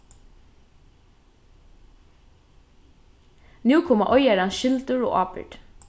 nú koma eigarans skyldur og ábyrgd